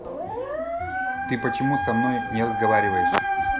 ты почему со мной не разговариваешь